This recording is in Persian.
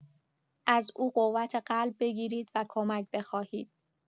از او قوت قلب بگیرید و کمک بخواهید.